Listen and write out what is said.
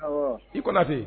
I kɔnɔ ten